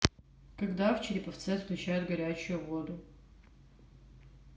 когда в череповце отключают горячую воду